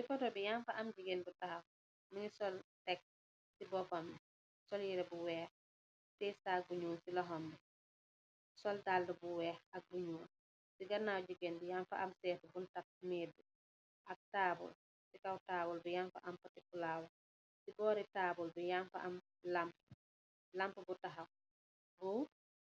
Amb jegueen bou kess la mougui tahaw did natalou mougui soul